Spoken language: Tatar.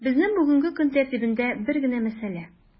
Безнең бүгенге көн тәртибендә бер генә мәсьәлә: